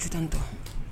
Tɛtan ta